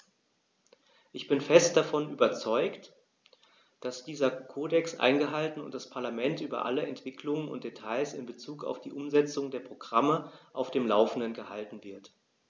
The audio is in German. Ich bin fest davon überzeugt, dass dieser Kodex eingehalten und das Parlament über alle Entwicklungen und Details in bezug auf die Umsetzung der Programme auf dem laufenden gehalten wird.